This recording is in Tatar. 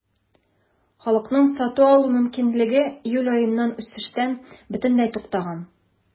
Халыкның сатып алу мөмкинлеге июль аеннан үсештән бөтенләй туктаган.